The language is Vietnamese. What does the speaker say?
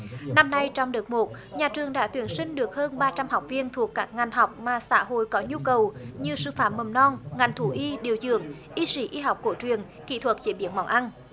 năm nay trong đợt một nhà trường đã tuyển sinh được hơn ba trăm học viên thuộc các ngành học mà xã hội có nhu cầu như sư phạm mầm non ngành thú y điều dưỡng y sĩ y học cổ truyền kỹ thuật chế biến món ăn